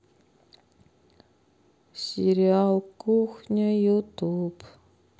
сериал кухня ютуб